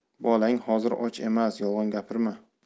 bolang hozir och emas yolg'on gapirma